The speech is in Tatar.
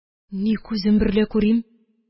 Ни күзем берлә күрим